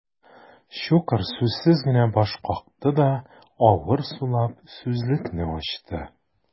Щукарь сүзсез генә баш какты да, авыр сулап сүзлекне ачты.